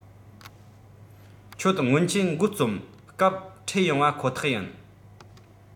ཁྱོད སྔོན ཆད འགོ རྩོམ སྐབས འཕྲད ཡོང བ ཁོ ཐག ཡིན